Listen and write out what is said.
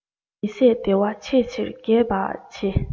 མི ཟད བདེ བ ཆེས ཆེར རྒྱས པར བྱེད